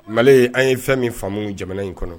Mali, an ye fɛn min faamu jamana in kɔnɔ